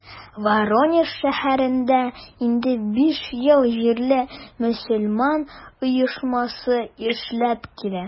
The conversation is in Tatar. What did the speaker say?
Воронеж шәһәрендә инде биш ел җирле мөселман оешмасы эшләп килә.